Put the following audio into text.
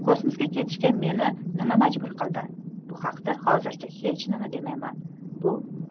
kosmosga ketishga meni nima majbur qildi bu haqda hozircha hech nima demayman